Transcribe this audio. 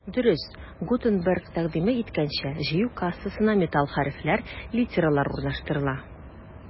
Дөрес, Гутенберг тәкъдим иткәнчә, җыю кассасына металл хәрефләр — литералар урнаштырыла.